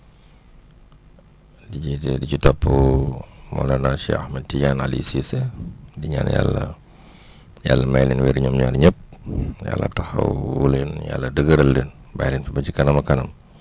di jiite di ci topp Mawlana Cheikh Ahmed Tidiane Alioune Cissé di ñaan yàlla yàlla may leen wér ñoom ñaar ñëpp yàlla taxawu leen yàlla dëgëral leen bàyyi leen fi ba ci kanam a kanam